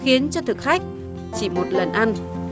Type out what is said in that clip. khiến cho thực khách chỉ một lần ăn